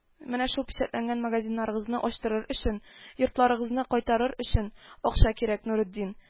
Менә шул печатләнгән магазиннарыгызны ачтырыр ечен, йортларыгызны кайтарыр ечен акча кирек, Нуретдин